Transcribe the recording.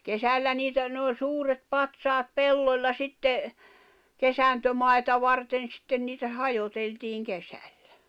kesällä niitä ne oli suuret patsaat pellolla sitten kesantomaata varten sitten niitä hajoteltiin kesällä